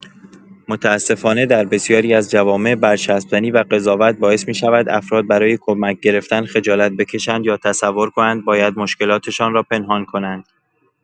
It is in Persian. متأسفانه در بسیاری از جوامع، برچسب‌زنی و قضاوت باعث می‌شود افراد برای کمک گرفتن خجالت بکشند یا تصور کنند باید مشکلاتشان را پنهان کنند.